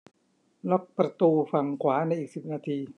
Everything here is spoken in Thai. ล็อกประตูฝั่งขวาในอีกสิบนาที